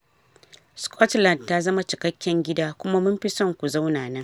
Scotland ta zama cikakken gida kuma munfi son ku zauna nan."